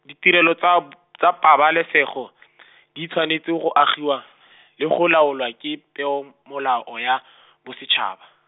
ditirelo tsa p-, tsa pabalesego , di tshwanetse go agiwa , le go laolwa ke peom- -molao ya , bosetšhaba.